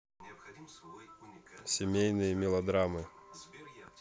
семейные мелодрамы